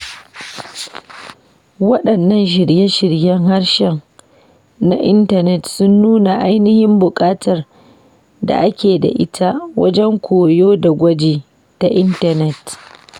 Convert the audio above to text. Waɗannan shirye-shiryen harshen na intanet sun nuna ainihin buƙatar da ake da ita wajen koyo da gwaji ta intanet.